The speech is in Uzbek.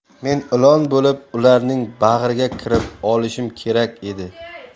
men ilon bo'lib ularning bag'riga kirib olishim kerak edi